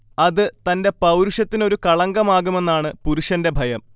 അത് തന്റെ പൌരുഷത്തിനൊരു കളങ്കമാകുമെന്നാണ് പുരുഷന്റെ ഭയം